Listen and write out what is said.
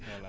voilà